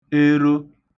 ero